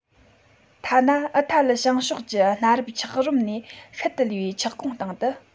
ཐ ན ཨི ཐ ལི བྱང ཕྱོགས ཀྱི གནའ རབས འཁྱགས རོམ ནས ཤུལ དུ ལུས པའི འཁྱགས གོང སྟེང དུ